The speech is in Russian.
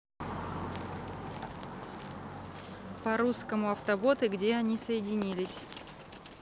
по русскому автоботы где они соединились